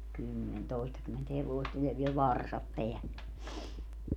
kymmen toistakymmentä hevosta niin ja vielä varsat päälle